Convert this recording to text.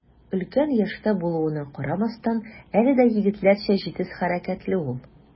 Өлкән яшьтә булуына карамастан, әле дә егетләрчә җитез хәрәкәтле ул.